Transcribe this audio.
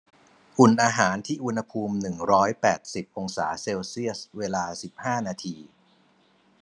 อุ่นอาหารที่อุณหภูมิหนึ่งร้อยแปดสิบองศาเซลเซียสเวลาสิบห้านาที